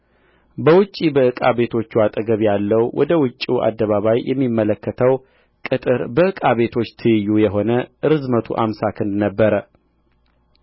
በውጭ በዕቃ ቤቶቹ አጠገብ ያለው ወደ ውጭው አደባባይ የሚመለከተው ቅጥር በዕቃ ቤቶች ትይዩ የሆነ ርዝመቱ አምሳ ክንድ ነበረ